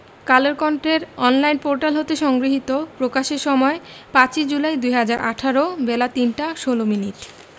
কালের কন্ঠের online portal হতে সংগৃহীত প্রকাশের সময় ৫ ই জুলাই ২০১৮ বেলা ৩টা ১৬ মিনিট